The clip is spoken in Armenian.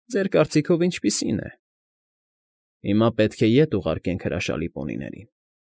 Ձեր կարծիքով ինչպիսի՞ն է։ Հիմա պետք է ետ ուղարկենք հրաշալի պոնիներին։